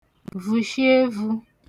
vùshi evū